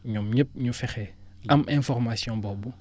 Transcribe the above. ñoom ñëpp ñu fexe am information boobu